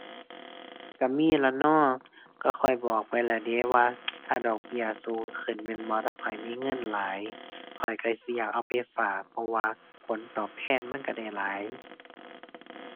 ก็มีล่ะเนาะ ก็ข้อยบอกไปแล้วเด้ว่า ถ้าดอกเบี้ยสูงขึ้นแม่นบ่ ถ้าข้อยมีเงินหลาย ข้อยก็สิอยากเอาไปฝาก เพราะว่าผลตอบแทนมันก็ได้หลาย